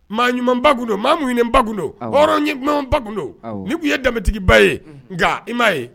Maa ɲumanuma ba kun don maa ŋ ba kundo hɔrɔn ye ɲuman ba kundo ni tun ye danbetigiba ye nka i m maa ye